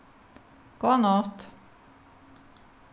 góða nátt